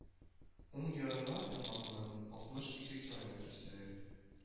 Уң ярына тамагыннан алтмыш ике километр өстәрәк